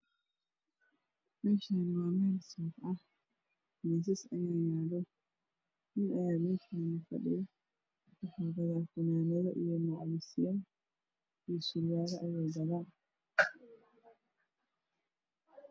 Meeshaan waa meel suuq ah miisas ayaa yaalo wiil ayaa meesha fadhiyo wuxuu gadaa fanaanano macowsyo iyo surwaalo ayuu gadaa.